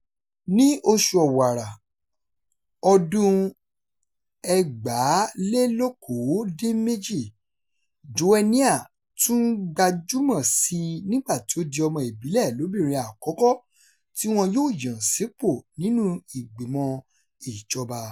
Ní oṣù Ọ̀wàrà ọdún-un 2018, Joenia tún gbajúmọ̀ sí i nígbà tí ó di ọmọ ìbílẹ̀ lóbìnrin àkọ́kọ́ tí wọn yóò yàn sípò nínú ìgbìmọ̀ ìjọba.